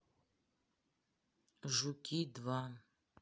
жуки два